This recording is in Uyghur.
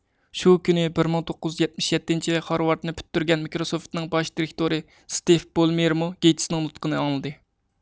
شۇ كۈنى بىر مىڭ توققۇز يۈز يەتمىش يەتتىنچى يىلى خارۋاردنى پۈتتۈرگەن مىكرو سوفىتنىڭ باش دېرىكتورى سىتېف بولمېرمۇ گېيتىسنىڭ نۇتىقىنى ئاڭلىدى